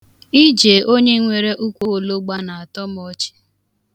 Ije onye nwere ụkwụologba na-atọ m ọchị.